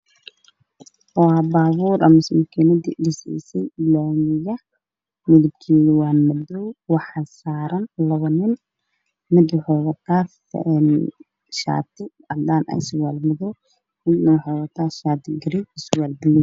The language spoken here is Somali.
Waa laami la dhisaayo waxaa marayo gaariga laamiga dhisaayo waa madow laba nin ayaa saaran shati cadaan mid wata